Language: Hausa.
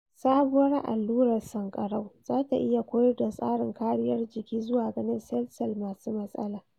Sabuwar allurar sankara za ta iya koyar da tsarin kariyar jiki zuwa ‘ganin’ sel-sel masu matsala